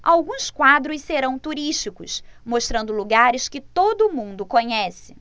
alguns quadros serão turísticos mostrando lugares que todo mundo conhece